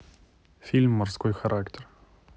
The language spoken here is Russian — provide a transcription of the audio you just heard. фильм морской характер